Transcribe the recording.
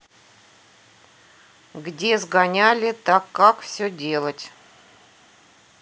где сгоняли так как все делать